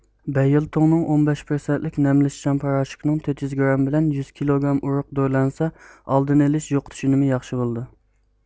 بەيلتوڭنىڭ ئون بەش پىرسەنتلىك نەملىنىشچان پاراشوكنىڭ تۆت يۈز گرامى بىلەن يۈز كىلوگرام ئۇرۇق دورىلانسا ئالدىنى ئېلىش يوقىتىش ئۈنۈمى ياخشى بولىدۇ